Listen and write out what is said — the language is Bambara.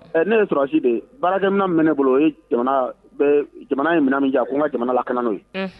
Ne ye sɔrɔsi de baaramin minɛ ne bolo jamana in min min diya' n ka jamana la ka n'o ye